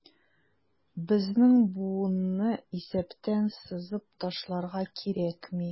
Безнең буынны исәптән сызып ташларга кирәкми.